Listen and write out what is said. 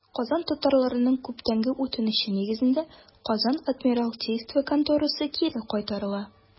Казан татарларының күптәнге үтенече нигезендә, Казан адмиралтейство конторасы кире кайтарыла.